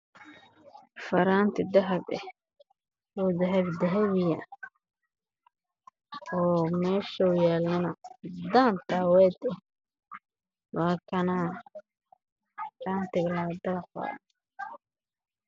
Waxaa ii muuqdo meeshaan waxaa yaalo faraantii